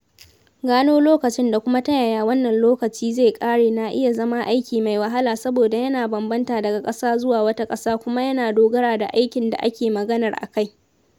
Gano lokacin da kuma ta yaya wannan lokaci zai ƙare na iya zama aiki mai wahala saboda yana bambanta daga ƙasa zuwa wata ƙasa kuma yana dogara da aikin da ake maganar akai.